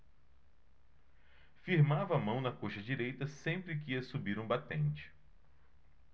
firmava a mão na coxa direita sempre que ia subir um batente